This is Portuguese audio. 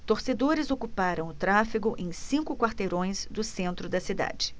torcedores ocuparam o tráfego em cinco quarteirões do centro da cidade